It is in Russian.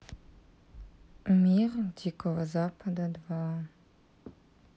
мир дикого запада два